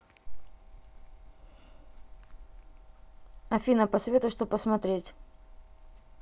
афина посоветуй что посмотреть